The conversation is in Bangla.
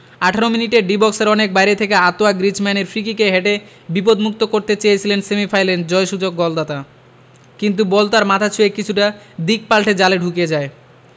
১৮ মিনিটে ডি বক্সের অনেক বাইরে থেকে আঁতোয়া গ্রিজমানের ফ্রিকিক এ হেডে বিপদমুক্ত করতে চেয়েছিলেন সেমিফাইনালের জয়সূচক গোলদাতা কিন্তু বল তার মাথা ছুঁয়ে কিছুটা দিক পাল্টে জালে জড়িয়ে যায়